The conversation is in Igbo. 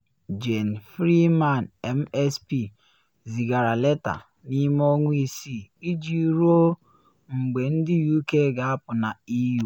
Jeane Freeman MSP zigara leta n’ime ọnwa isiii iji ruo mgbe ndị UK ga-apụ na EU.